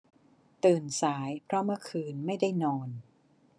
ตื่นสายเพราะเมื่อคืนไม่ได้นอน